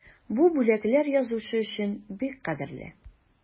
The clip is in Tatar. Бу бүләкләр язучы өчен бик кадерле.